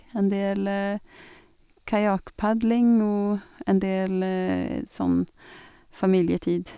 En del kajakpadling og en del sånn familietid.